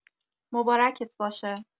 مبارکت باشه